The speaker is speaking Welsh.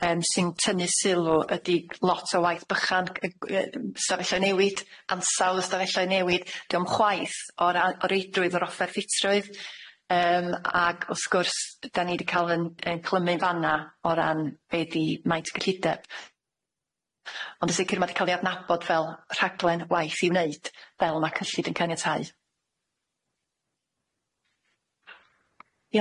yym sy'n tynnu sylw ydi lot o waith bychan g- yy yym stafeloedd newid ansawdd stafelloedd newid dio'm chwaith o'r a- o reidrwydd yr offer ffitrwydd yym ag wrth gwrs ydan ni 'di ca'l yn 'yn clymu fan'na o ran be' di maint y gyllideb ond yn sicir ma' 'di ca'l 'i adnabod fel rhaglen waith i'w neud fel ma' cyllid yn caniatáu.